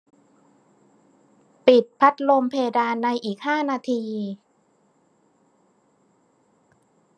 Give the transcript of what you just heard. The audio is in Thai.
ปิดพัดลมเพดานในอีกห้านาที